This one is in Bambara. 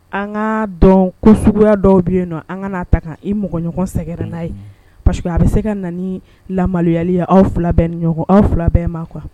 An ka dɔn ko sugu dɔw bɛ yen nɔn an ka na ta ka i mɔgɔ ɲɔgɔn sɛgɛrɛ n'a ye. Parceque a be se ka na ni lamaloyali ye aw filaw bɛɛ ni aw filaw bɛɛ ma quoi